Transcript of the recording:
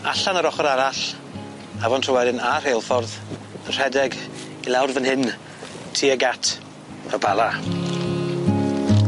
allan ar ochor arall afon Tryweryn a rheilffordd y' rhedeg i lawr fan hyn tuag at y Bala.